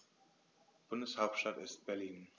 Bundeshauptstadt ist Berlin.